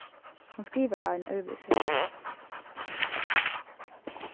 hon skrivar á ein øðrvísi hátt